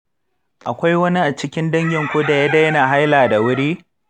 akwai wani a cikin danginku da ya daina haila da wuri?